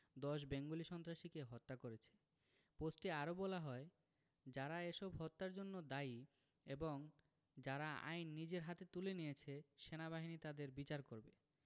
১০ Bengali সন্ত্রাসীকে হত্যা করেছে পোস্টে আরো বলা হয় যারা এসব হত্যার জন্য দায়ী এবং যারা আইন নিজের হাতে তুলে নিয়েছে সেনাবাহিনী তাদের বিচার করবে